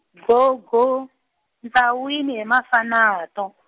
go go, ndzawini he Mafanato.